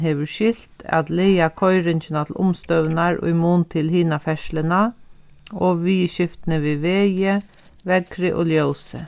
hevur skilt at laga koyringina til umstøðurnar í mun til hina ferðsluna og viðurskiftini við vegi veðri og ljósi